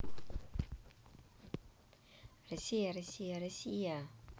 россия россия россия